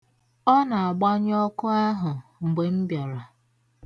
Ọ na-agbanyu ọkụ ahụ mgbe m bịara.